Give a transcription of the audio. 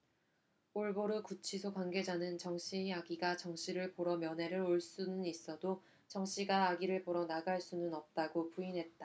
올보르 구치소 관계자는 정 씨의 아기가 정 씨를 보러 면회를 올 수는 있어도 정 씨가 아기를 보러 나갈 수는 없다고 부인했다